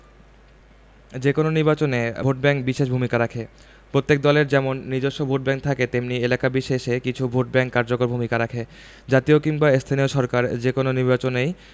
যেকোনো নির্বাচনে ভোটব্যাংক বিশেষ ভূমিকা রাখে প্রত্যেক দলের যেমন নিজস্ব ভোটব্যাংক থাকে তেমনি এলাকা বিশেষে কিছু ভোটব্যাংক কার্যকর ভূমিকা রাখে জাতীয় কিংবা স্থানীয় সরকার যেকোনো নির্বাচনেই